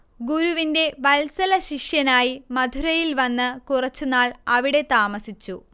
ഗുരുവിന്റെ വത്സലശിഷ്യനായി മധുരയിൽ വന്ന് കുറച്ചുനാൾ അവിടെ താമസിച്ചു